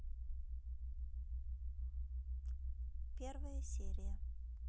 первая серия